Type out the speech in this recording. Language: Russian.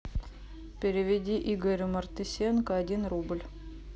переведи игорю мартысенко один рубль